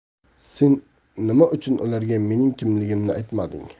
sen nima uchun ularga mening kimligimni aytmading